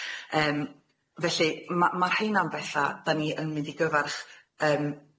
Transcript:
Yym felly ma' ma'r rheina'n betha' 'dan ni yn mynd i gyfarch yym